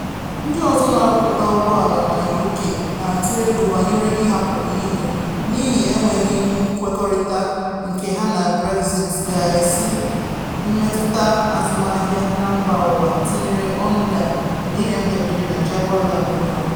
Ndị ọzọ na-arụpụta ụgbọ ala na UK na-atụ egwu banyere ịhapụ EU n'ihi enweghị nkwekọrịta nke ha na Brexit ga-esi mmetụta azụmahịa na mba ụwa, tinyere Honda, BMW na Jaguar Land Rover.